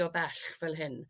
o bell fel hyn.